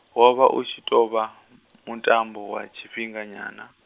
wo vha u tshi tou vha, mutambo wa tshifhinga nyana.